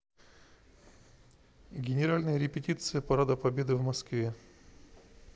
генеральная репетиция парада победы в москве